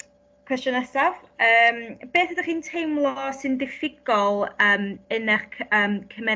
cwestiwn nesaf yym beth ydych chi'n teimlo sy'n diffigol yym un ec